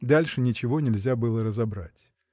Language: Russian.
Дальше ничего нельзя было разобрать.